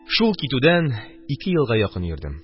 Шул китүдән ике елга якын йөрдем